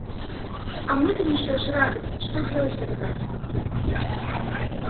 а мне ты не несешь радость что делать тогда